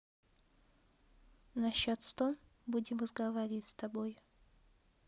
на счет сто будем разговаривать с тобой